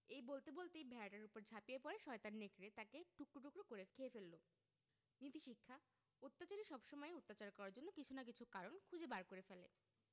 এই বলতে বলতেই ভেড়াটার উপর ঝাঁপিয়ে পড়ে শয়তান নেকড়ে তাকে টুকরো টুকরো করে খেয়ে ফেলল নীতিশিক্ষাঃ অত্যাচারী সবসময়ই অত্যাচার করার জন্য কিছু না কিছু কারণ খুঁজে বার করে ফেলে